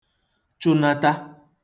chụnata